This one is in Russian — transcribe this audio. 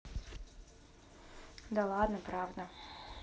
да ладно правда